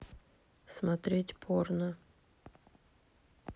смотреть порно